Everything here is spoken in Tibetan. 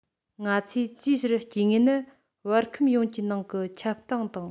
ང ཚོས ཅིའི ཕྱིར སྐྱེ དངོས ནི བར ཁམས ཡོངས ཀྱི ནང གི ཁྱབ སྟངས དང